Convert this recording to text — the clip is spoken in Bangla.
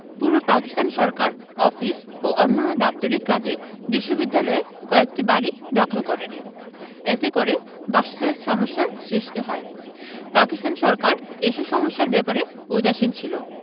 পূর্ব পাকিস্তান সরকার অফিস ও অন্যান্য দাপ্তরিক কাজে বিশ্ববিদ্যালয়ের কয়েকটি বাড়ি দখল করে নেয় এতে করে বাসস্থান সমস্যার সৃষ্টি হয় পাকিস্তান সরকার এসব সমস্যার ব্যাপারে উদাসীন ছিল